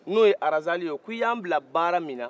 n'o ye razali ye k'i y'an bila baara minna